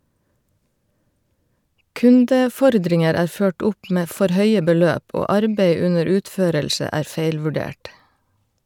Kundefordringer er ført opp med for høye beløp, og arbeid under utførelse er feilvurdert.